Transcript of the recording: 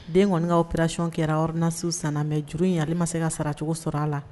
Den kɔnikawaw pracɔn kɛra rinasiw san mɛ juru in ale ma se ka saracogo sɔrɔ a la